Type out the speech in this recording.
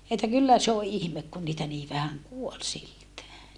että kyllä se on ihme kun niitä niin vähän kuoli siltään